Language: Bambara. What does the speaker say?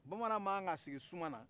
bamanan mankan k'a sigi suma na